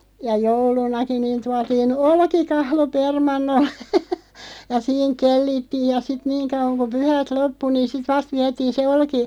ja joulunakin niin tuotiin olkikahlo permannolle ja siinä kellittiin ja sitten niin kauan kun pyhät loppui niin sitten vasta vietiin se -